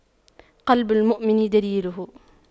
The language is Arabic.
قلب المؤمن دليله